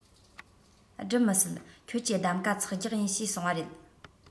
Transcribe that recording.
སྒྲུབ མི སྲིད ཁྱོད ཀྱིས གདམ ག འཚག རྒྱག ཡིན ཞེས གསུངས པ རེད